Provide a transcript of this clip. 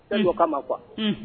I ko kama ma kuwa